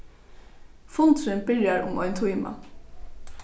fundurin byrjar um ein tíma